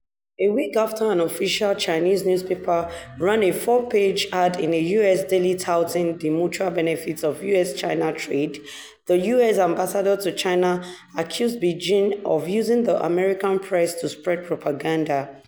A week after an official Chinese newspaper ran a four-page ad in a U.S. daily touting the mutual benefits of U.S.-China trade, the U.S. ambassador to China accused Beijing of using the American press to spread propaganda.